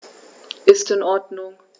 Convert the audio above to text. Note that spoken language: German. Ist in Ordnung.